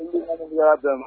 I jugu'a bɛɛ ma